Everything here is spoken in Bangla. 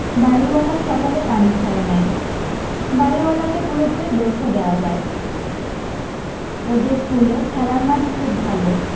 বাড়ীওয়ালা সকালে পানি ছাড়ে নাই বাড়ীওয়ালাকে পুরোপুরি দোষও দেয়া যায় ওদের স্কুলে খেলার মাঠ খুব ভালো